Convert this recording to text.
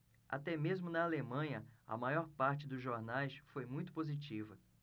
até mesmo na alemanha a maior parte dos jornais foi muito positiva